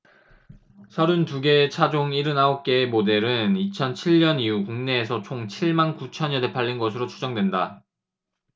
서른 두 개 차종 일흔 아홉 개 모델은 이천 칠 년 이후 국내에서 총 칠 만 구천 여대 팔린 것으로 추정된다